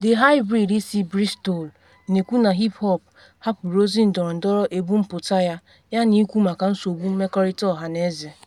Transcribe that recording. The High Breed, si Bristol, na ekwu na hip hop hapụrụ ozi ndọrọndọrọ ebumpụta ya yana ikwu maka nsogbu mmekọrịta ọhaneze.